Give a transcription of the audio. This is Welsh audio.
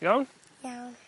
Iawn? Iawn.